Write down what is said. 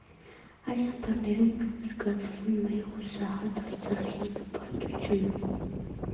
Այս անտառներում զգացվում է հուսահատ արցախյան հպարտություն։